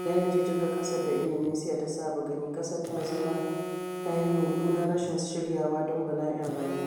Ganin jijjigar ƙasa da Indonesiya ta saba gani, ƙasar ta zama ta yi mummunan rashin shiryawa don bala’in rayuwa.